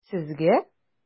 Сезгә?